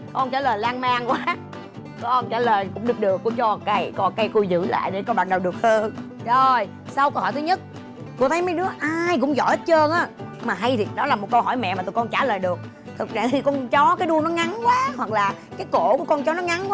con trả lời lan man quá con trả lời cũng được được cô cho cậy còn cây giữ lại để coi bạn nào được hơn rồi sau câu hỏi thứ nhất cô thấy ai cũng giỏi trơn á mà hay đó là một câu hỏi mẹ mà tụi con trả lời được thực trạng thì con chó cái đuôi nó ngắn hoặc là cắt cổ một con chó nó ngắn